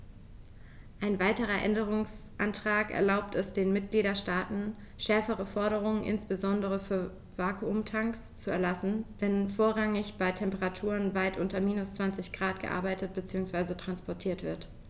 Ein weiterer Änderungsantrag erlaubt es den Mitgliedstaaten, schärfere Forderungen, insbesondere für Vakuumtanks, zu erlassen, wenn vorrangig bei Temperaturen weit unter minus 20º C gearbeitet bzw. transportiert wird.